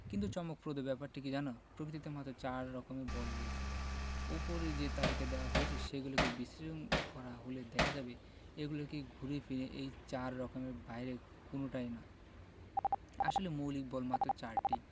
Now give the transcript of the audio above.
কিন্তু চমকপ্রদ ব্যাপারটি কী জানো প্রকৃতিতে মাত্র চার রকমের বল রয়েছে ওপরে যে তালিকা দেওয়া হয়েছে সেগুলোকে বিশ্লেষণ করা হলে দেখা যাবে এগুলো ঘুরে ফিরে এই চার রকমের বাইরে কোনোটা নয় আসলে মৌলিক বল মাত্র চারটি